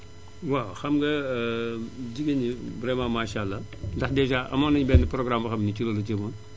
waaw xam nga jigéen ñi vraiment maasàllaa ndax dèjà amoon nañu benn programme boo xam ne ci loolu la jëmoon